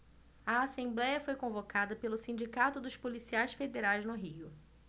a assembléia foi convocada pelo sindicato dos policiais federais no rio